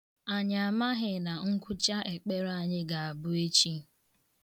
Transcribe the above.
Anyị amaghị na ngwụcha ekpere anyị ga-abụ echi.